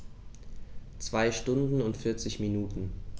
2 Stunden und 40 Minuten